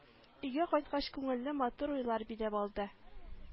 Өйгә кайткач күңелне матур уйлар биләп алды